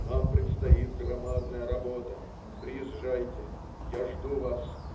Нам предстоит громадная работа. Приезжайте. Я жду Вас.